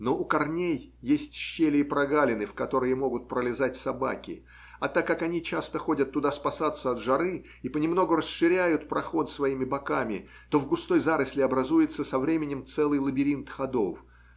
но у корней есть щели и прогалины, в которые могут пролезать собаки, а так как они часто ходят туда спасаться от жары и понемногу расширяют проход своими боками, то в густой заросли образуется со временем целый лабиринт ходов.